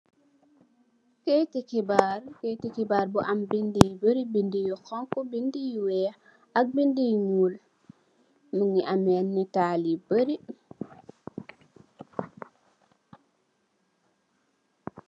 Kayiti xibaar, kayiti xibaar bu am bindë, bindë yu bari, bindë yu xoñxu , bindë yu weex ak bindë yu ñuul, ñu ngi amee nataal yu bari,